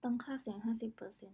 ตั้งค่าเสียงห้าสิบเปอร์เซนต์